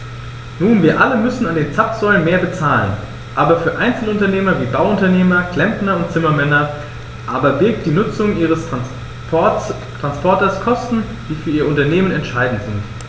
Nun wir alle müssen an den Zapfsäulen mehr bezahlen, aber für Einzelunternehmer wie Bauunternehmer, Klempner und Zimmermänner aber birgt die Nutzung ihres Transporters Kosten, die für ihr Unternehmen entscheidend sind.